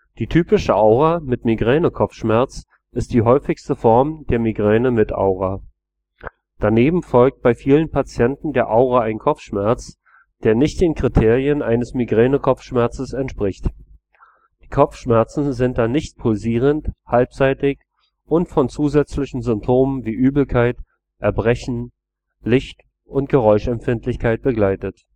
Die typische Aura mit Migränekopfschmerz ist die häufigste Form der Migräne mit Aura. Daneben folgt bei vielen Patienten der Aura ein Kopfschmerz, der nicht den Kriterien eines Migränekopfschmerzes entspricht. Die Kopfschmerzen sind dann nicht pulsierend, halbseitig und von zusätzlichen Symptomen wie Übelkeit, Erbrechen, Licht - und Geräuschempfindlichkeit begleitet